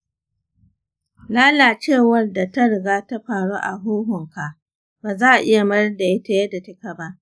lalacewar da ta riga ta faru a huhunka ba za a iya mayar da ita yadda take ba.